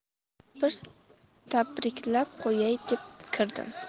bir tabriklab qo'yay deb kirdim